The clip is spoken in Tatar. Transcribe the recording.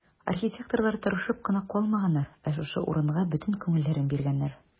Архитекторлар тырышып кына калмаганнар, ә шушы урынга бөтен күңелләрен биргәннәр.